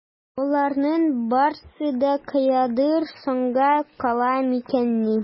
Боларның барсы да каядыр соңга кала микәнни?